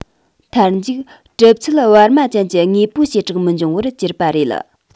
མཐར མཇུག གྲུབ ཚུལ བར མ ཅན གྱི དངོས པོའི བྱེ བྲག མི འབྱུང བར གྱུར པ རེད